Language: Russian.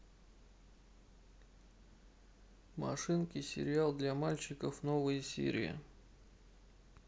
машинки сериал для мальчиков новые серии